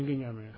mi ngi Niamey